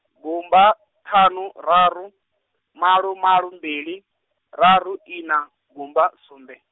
gumba, ṱhanu, raru, malo malo mbili, raru ina, gumba sumbe.